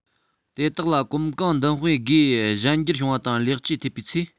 དེ དག ལ གོམ གང མདུན སྤོས སྒོས གཞན འགྱུར བྱུང བ དང ལེགས བཅོས ཐེབས པའི ཚེ